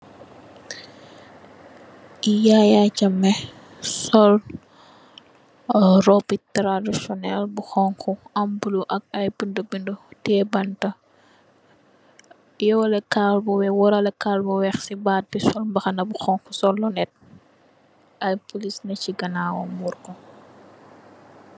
Yaaya Jammeh, sol roobu taraditisonel bu xonxa, am bullo ak ay bindee binda, tiye banta, yorre kaaw bu waralee kaala bu weex, sol mbaxana bu xonxa, sol lonnet, ay poliis nyung si ganaawam, war ko,